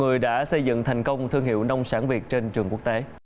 người đã xây dựng thành công thương hiệu nông sản việt trên trường quốc tế